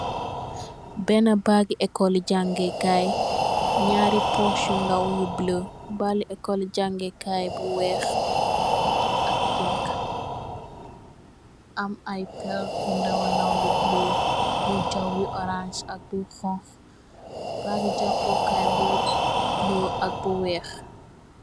Benah bagui ecole jaangeh kaii, njaari posh yu ndaw yu bleu, baali ecole jaangeh kaii bu wekh ak pink, am aiiy pehrre yu ndaw wa ndaw yu bleu, yui jaww yu ohrance ak bu honhu, bagui jahpoh kaii bu bleu ak bu wekh.